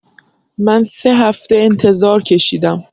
من ۳ هفته انتظار کشیدم